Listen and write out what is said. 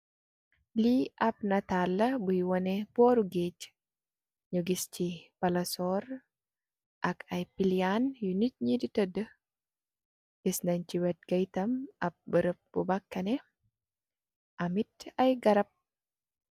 Li ap netal la boi wonex bori geeg nyu giss si palanasor ak ay peleyan yu nityi do teda gis neen si weet gi tam ap berem bu bakane amit ay garab.